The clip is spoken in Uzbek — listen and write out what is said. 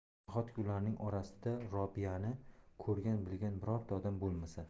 nahotki ularning orasida robiyani ko'rgan bilgan birorta odam bo'lmasa